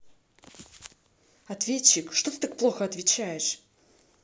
ответчик что ты так плохо отвечаешь